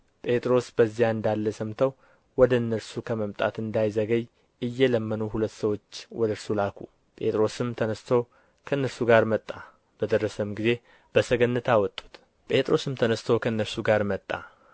ጴጥሮስ በዚያ እንዳለ ሰምተው ወደ እነርሱ ከመምጣት እንዳይዘገይ እየለመኑ ሁለት ሰዎች ወደ እርሱ ላኩ ጴጥሮስም ተነሥቶ ከእነርሱ ጋር መጣ